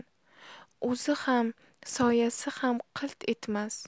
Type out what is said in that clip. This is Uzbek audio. o'zi ham soyasi ham qilt etmas